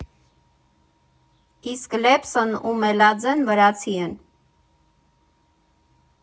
Իսկ Լեպսն ու Մելաձեն վրացի են։